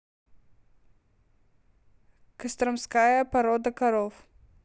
костромская порода коров